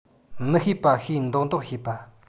མི ཤེས པ ཤེས མདོག མདོག བྱེད པ